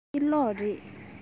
འདི གློག རེད